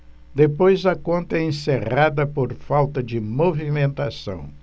depois a conta é encerrada por falta de movimentação